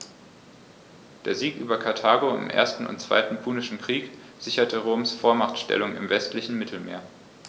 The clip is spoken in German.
Der Sieg über Karthago im 1. und 2. Punischen Krieg sicherte Roms Vormachtstellung im westlichen Mittelmeer.